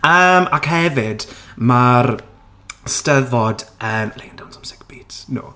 Yym, ac hefyd, ma'r Steddfod, yn laying down some sick beats, no.